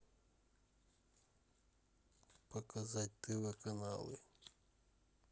показать тв каналы